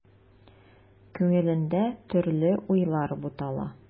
Күңелендә төрле уйлар бутала.